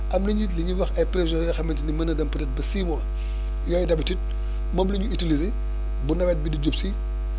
am nañu it li ñuy wax ay prévisions yoo xamante ni mën na dem peut être ba six mois yooyu d' habitude moom la ñuy utiliser bu nawet bi di jub si